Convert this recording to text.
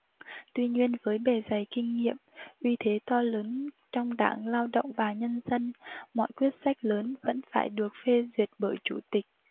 tuy nhiên với bề dày kinh nghiệm uy thế to lớn trong đảng lao động và nhân dân mọi quyết sách lớn vẫn phải được phê duyệt bởi chủ tịch